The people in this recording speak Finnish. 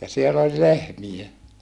ja siellä oli lehmiä